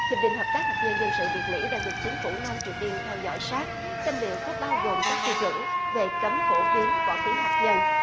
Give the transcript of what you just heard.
hiệp định hợp tác hạt nhân dân sự việt mỹ đang được chính phủ nam triều tiên theo dõi sát xem liệu có bao gồm các tiêu chuẩn về cấm phổ biến võ khí hạt nhân